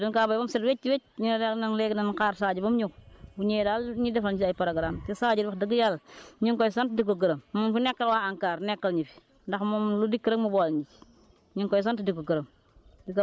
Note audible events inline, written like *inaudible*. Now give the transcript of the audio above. bañ cay béy itam wax dëgg yàlla ñax amu ci dañ caa béy ba mu set wécc wécc ñu ne daal léegi nañu xaar Sadio ba mu ñëw bu ñëwee daal ñii def nañ si ay programmes te Sadio wax dëgg yàlla *breath* ñu ngi koy sant di ko gërëm moom mi fi nekkal waa ANCAR nekkal ñu fi ndax moom lu dikk rek mu boole ñu si